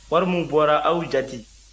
wari min bɔra a y'o jate